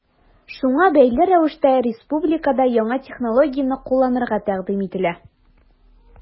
Шуңа бәйле рәвештә республикада яңа технологияне кулланырга тәкъдим ителә.